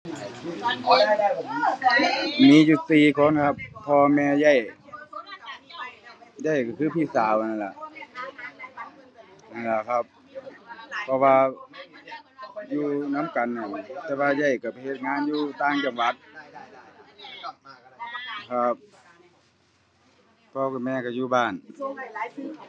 มีอยู่สี่คนครับพ่อแม่เอื้อย เอื้อยก็คือพี่สาวนั่นล่ะ นั่นล่ะครับ เพราะว่า อยู่นำกันนั่นแต่ว่าเอื้อยก็ไปเฮ็ดงานอยู่ต่างจังหวัด ครับ พ่อกับแม่ก็อยู่บ้าน